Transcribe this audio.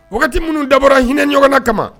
O wagati minnu dabɔra hinɛinɛ ɲɔgɔn na kama